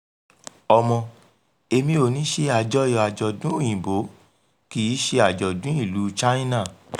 Ọmọ: Èmi ò ní ṣe àjọyọ̀ àjọ̀dún Òyìnbó kì í ṣe àjọ̀dún ìlúu China.